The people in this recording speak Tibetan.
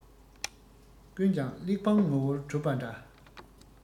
ཀུན ཀྱང གླེགས བམ ངོ བོར གྲུབ པ འདྲ